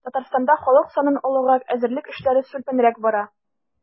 Татарстанда халык санын алуга әзерлек эшләре сүлпәнрәк бара.